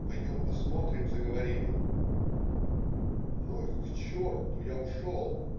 Пойдем, посмотрим!" - заговорили. "Ну их к черту, я ушел.